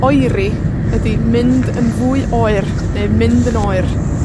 Oeri ydi mynd yn fwy oer neu mynd yn oer.